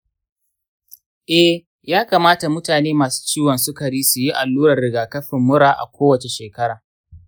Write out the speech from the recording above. eh, ya kamata mutane masu ciwon sukari su yi allurar rigakafin mura a kowace shekara.